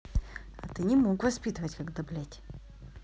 а ты не мог воспитывать когда блядь